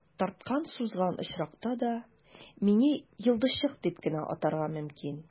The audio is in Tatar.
Тарткан-сузган очракта да, мине «йолдызчык» дип кенә атарга мөмкин.